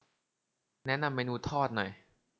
แนะนำเมนูทอดหน่อย